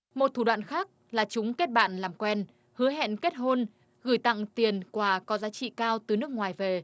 một thủ đoạn khác là chúng kết bạn làm quen hứa hẹn kết hôn gửi tặng tiền quà có giá trị cao từ nước ngoài về